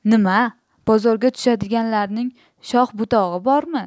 nima bozorga tushadiganlarning shox butog'i bormi